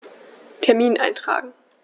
Termin eintragen